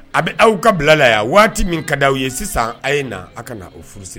A bɛ aw ka bila la yan waati min ka di' aw ye sisan a ye na aw ka na o furusi